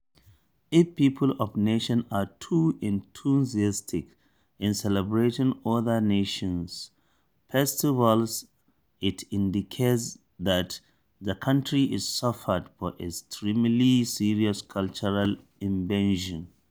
If people of a nation are too enthusiastic in celebrating other nations’ festivals, it indicates that the country is suffered from extremely serious cultural invasion.